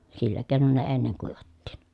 sillä keinoin ne ennen kuivattiin